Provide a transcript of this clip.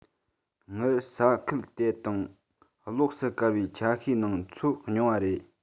སྔར ས ཁུལ དེ དང ལོགས སུ གར བའི ཆ ཤས ནང འཚོ མྱོང བ རེད